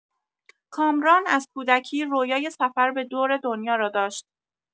کامران از کودکی رویای سفر به دور دنیا را داشت.